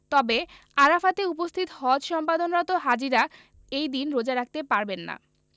তবে আরাফাতে উপস্থিত হজ সম্পাদনরত হাজিরা এই দিন রোজা রাখতে পারবেন না